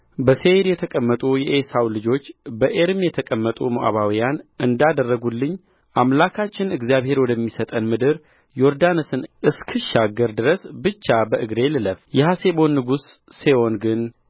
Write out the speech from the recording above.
በሴይር የተቀመጡ የዔሳው ልጆች በዔርም የተቀመጡ ሞዓባውያን እንዳደረጉልኝ አምላካችን እግዚአብሔር ወደሚሰጠን ምድር ዮርዳኖስን እስክሻገር ድረስ ብቻ በእግሬ ልለፍየሐሴቦን ንጉሥ ሴዎን ግን